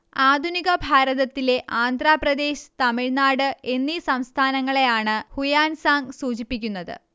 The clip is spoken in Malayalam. ആധുനിക ഭാരതത്തിലെ ആന്ധ്രാപ്രദേശ്, തമിഴ്നാട് എന്നീ സംസ്ഥാനങ്ങളെയാണ് ഹുയാൻസാങ്ങ് സൂചിപ്പിച്ചത്